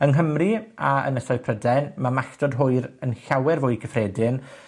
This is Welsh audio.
Yng Nghymru a ynysoedd Prydain, ma' malltod hwyr yn llawer fwy cyffredin.